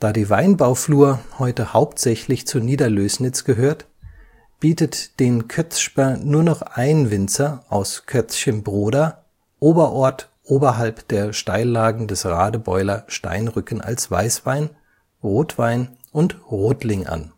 die Weinbauflur heute hauptsächlich zu Niederlößnitz gehört, bietet den Kötzschber nur noch ein Winzer (Weinhaus Förster) aus Kötzschenbroda Oberort oberhalb der Steillagen des Radebeuler Steinrücken als Weißwein, Rotwein und Rotling an